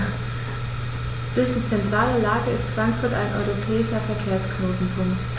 Durch die zentrale Lage ist Frankfurt ein europäischer Verkehrsknotenpunkt.